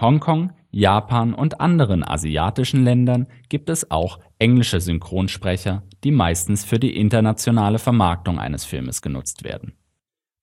Hong Kong, Japan und anderen asiatischen Ländern gibt es auch englische Synchronsprecher, die meistens für die internationale Vermarktung eines Filmes genutzt werden.